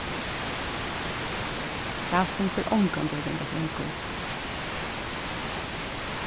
hasin fer ongantíð at ganga svangur